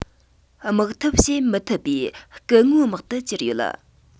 དམག འཐབ བྱེད མི ཐུབ པའི སྐུ ངོའི དམག ཏུ གྱུར ཡོད